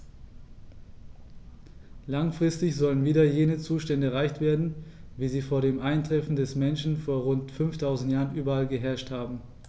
Langfristig sollen wieder jene Zustände erreicht werden, wie sie vor dem Eintreffen des Menschen vor rund 5000 Jahren überall geherrscht haben.